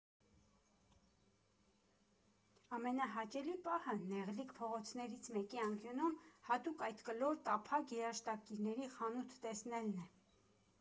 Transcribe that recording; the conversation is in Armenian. Ամենահաճելի պահը նեղլիկ փողոցներից մեկի անկյունում հատուկ այդ կլոր, տափակ երաժշտակիրների խանութ տեսնելն է։